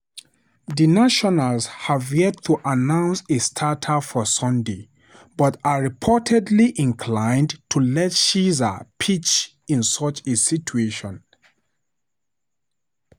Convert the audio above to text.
The Nationals have yet to announce a starter for Sunday, but are reportedly inclined to let Scherzer pitch in such a situation.